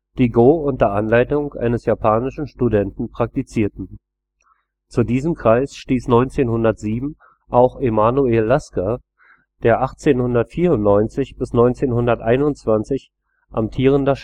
die Go unter Anleitung eines japanischen Studenten praktizierten. Zu diesem Kreis stieß 1907 auch Emanuel Lasker, der von 1894 bis 1921 amtierender